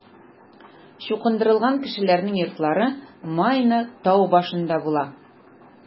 Чукындырылган кешеләрнең йортлары Майна тау башында була.